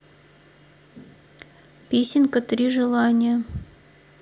песенка три желания